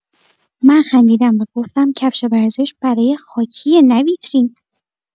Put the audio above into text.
من خندیدم و گفتم کفش ورزش برای خاکیه نه ویترین.